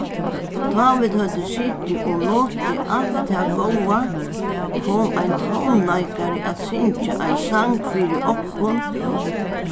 tá vit høvdu sitið og notið alt tað góða kom ein tónleikari at syngja ein sang fyri okkum